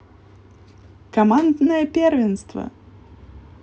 командное первенство